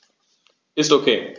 Ist OK.